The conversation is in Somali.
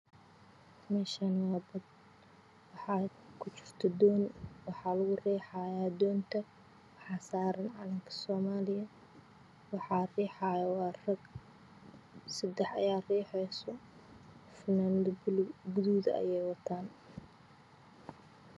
Meshani waa bad wax kujirta doon waxa lakurixaya doonta wax saran calanka soomalia waxa riixaya sedax raga ah fananado gaduud ah ayey watan